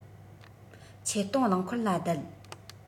ཆེད གཏོང རླངས འཁོར ལ བསྡད